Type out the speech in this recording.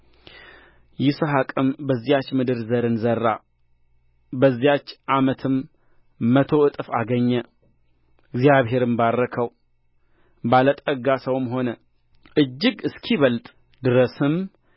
ይስሐቅም በዚያች ምድር ዘርን ዘራ በዚያች ዓመትም መቶ እጥፍ አገኘ እግዚአብሔርም ባረከው ባለ ጠጋ ሰውም ሆነ እጅግ እስኪበልጥ ድረስም